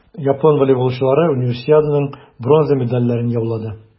Япон волейболчылары Универсиаданың бронза медальләрен яулады.